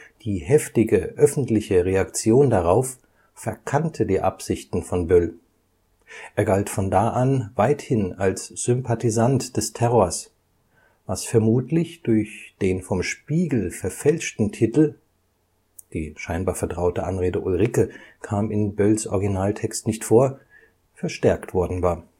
Die heftige öffentliche Reaktion darauf verkannte die Absichten von Böll, er galt von da an weithin als „ Sympathisant “des Terrors, was vermutlich durch den vom Spiegel verfälschten Titel – die scheinbar vertraute Anrede „ Ulrike “kam in Bölls Originaltext nicht vor – verstärkt worden war